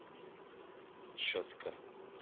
Щетка